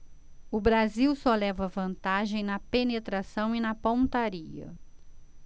o brasil só leva vantagem na penetração e na pontaria